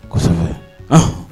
Kosɛbɛ h